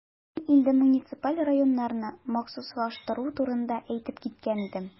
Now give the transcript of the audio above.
Мин инде муниципаль районнарны махсуслаштыру турында әйтеп киткән идем.